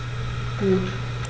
Gut.